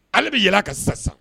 Ale bɛɛlɛn ka sa sa